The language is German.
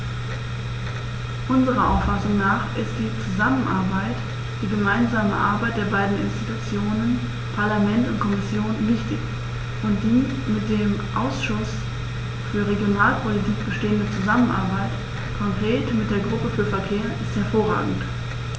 Unserer Auffassung nach ist die Zusammenarbeit, die gemeinsame Arbeit der beiden Institutionen - Parlament und Kommission - wichtig, und die mit dem Ausschuss für Regionalpolitik bestehende Zusammenarbeit, konkret mit der Gruppe für Verkehr, ist hervorragend.